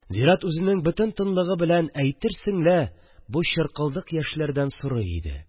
Зират үзенең бөтен тынлыгы белән әйтерсең лә бу чыркылдык яшьләрдән сорый иде